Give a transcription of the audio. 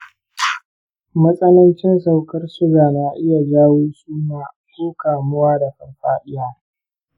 matsanancin saukar suga na iya jawo suma ko kamuwa da farfaɗiya.